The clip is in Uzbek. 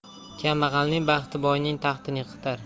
kambag'alning baxti boyning taxtini yiqitar